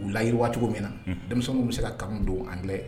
U layiwa cogo min na denmisɛnww bɛ se ka kanu don an gɛn